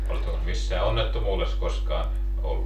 oletteko missään onnettomuudessa koskaan ollut